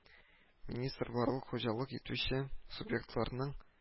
Министр барлык хуҗалык итүче субъектларның